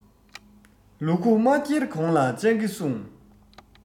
ལུ གུ མ འཁྱེར གོང ལ སྤྱང ཀི སྲུངས